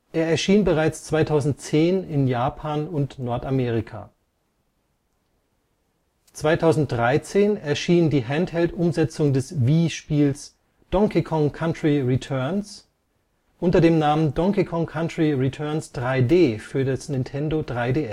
erschien bereits 2010 in Japan und Nordamerika. 2013 erschien die Handheld-Umsetzung des Wii-Spiels Donkey Kong Country Returns unter dem Namen Donkey Kong Country Returns 3D für den Nintendo 3DS